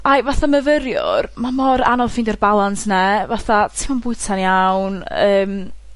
a i fatha myfyriwr, ma' mor anodd ffeindio'r balans 'na. Fatha ti'm yn bwyta'n iawn, yym